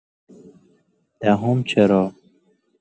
دهم چرا؟